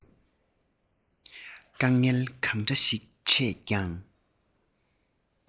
དཀའ ངལ གང འདྲ ཞིག ཕྲད ཀྱང